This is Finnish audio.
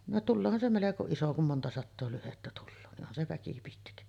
no tuleehan se melko iso kun monta sataa lyhdettä tulee niin onhan se väki pitkä